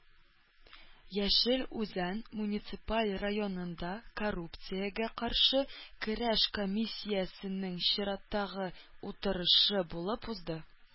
Яшел Үзән муниципаль районында коррупциягә каршы көрәш комиссиясенең чираттагы утырышы булып узды.